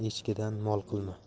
echkidan mol qilma